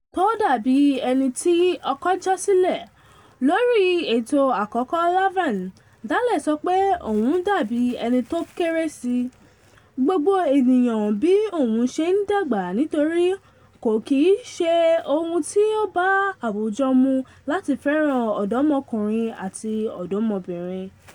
Tó dábí ẹní tí ọkọ̀ já sílẹ̀ lórí ètò àkọ́kọ́ Laverne, Daley sọ pé òun dàbí ẹni tó “kéré sí” gbogbo ènìyàn bí òwun ṣe ń dàgbà nítorí “kò kìíṣe ohun tí ó bá àwùjọ mu láti fẹ́ràn ọ̀dọ̀mọkùnrin àti ọ̀dọ̀mọ́bìnrin."